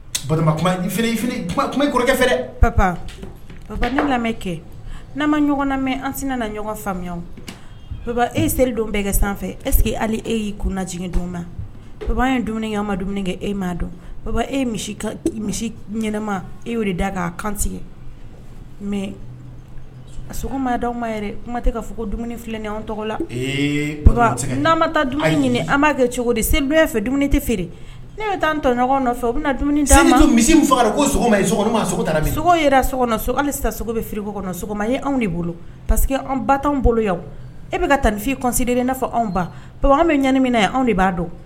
Ba kɔrɔkɛ pap ne lamɛn kɛ n'an ma ɲɔgɔnmɛ an sin na ɲɔgɔn faamuya baba e selidon bɛɛ kɛ sanfɛ eseke hali e y'i kunj don ma baba ye dumuni an ma dumuni kɛ e m' dɔn baba e misima e da k'a kantigɛ mɛ da' kuma tɛ ka fɔ ko dumuni filɛ ni an tɔgɔ la n'an ma taa dumuni ɲini an b'a kɛ cogo di seli fɛ dumuni tɛ feere ne bɛ taa tɔ ɲɔgɔn nɔfɛ bɛ dumuni misi faga sogo yɛrɛ so hali sa sogo bɛ kɔnɔ sɔgɔma anw de bolo pa que an ba anw bolo yan e bɛ ka tan nifin kɔsi de na anw baba an bɛ ɲanimina ye anw de b'a dɔn